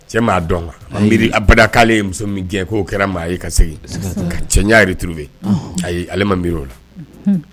Cɛ m dɔn kanbaale muso k'o kɛra maa ye ka segin ka cɛn yɛrɛ tuuru ayi ale ma mi o la